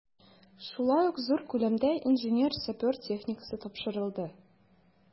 Шулай ук зур күләмдә инженер-сапер техникасы тапшырылды.